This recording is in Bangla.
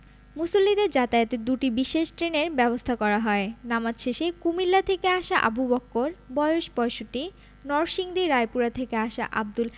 মুসল্লিদের যাতায়াতে দুটি বিশেষ ট্রেনের ব্যবস্থা করা হয় নামাজ শেষে কুমিল্লা থেকে আসা আবু বক্কর বয়স ৬৫ নরসিংদী রায়পুরা থেকে আসা আবদুল